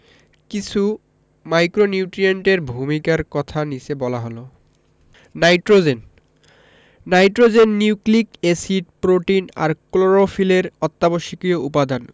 কিছু ম্যাক্রোনিউট্রিয়েন্টের ভূমিকার কথা নিচে বলা হল nitrogen nitrogen nucleic acid protein আর ক্লোরোফিলের অত্যাবশ্যকীয় উপাদান